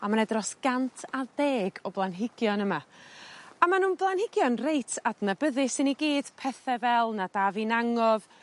A ma' 'na dros gant a deg o blanhigion yma. A ma' nw'n blanhigion reit adnabyddus i ni gyd pethe fel Nad Af Fi'n Angof